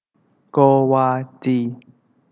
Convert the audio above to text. โกวาจี